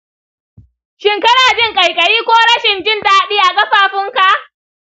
shin kana jin ƙaiƙayi ko rashin jin daɗi a ƙafafunka?